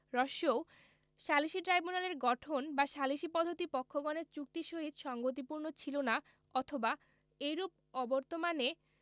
উ সালিসী ট্রাইব্যুনালের গঠন বা সালিষী পদ্ধতি পক্ষগণের চুক্তির সহিত সংগতিপূর্ণ ছিল না অথবা এইরূপ অবর্তমানে